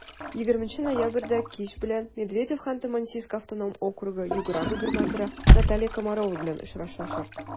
20 ноябрьдә кич белән медведев ханты-мансийск автоном округы-югра губернаторы наталья комарова белән очрашачак.